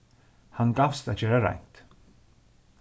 hann gavst at gera reint